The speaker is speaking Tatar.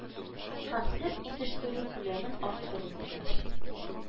Һәм сөт итештерү күләмен арттыру дигән